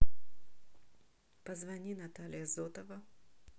позвони наталья зотова